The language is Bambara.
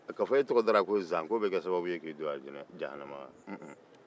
k'a fɔ e tɔgɔ dara zan k'o bɛ sababu ye k'e don jahanama unhun